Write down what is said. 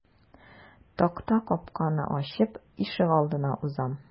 Такта капканы ачып ишегалдына узам.